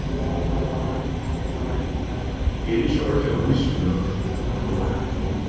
eg eri ikki ordiliga vís í nøkrum